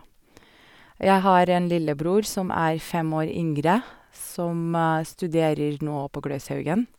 Jeg har en lillebror som er fem år yngre, som studerer nå på Gløshaugen.